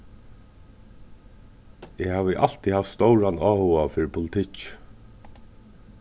eg havi altíð havt stóran áhuga fyri politikki